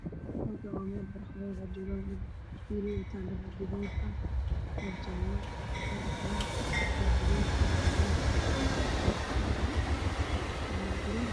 Meeshaan waxaa joogo wiilal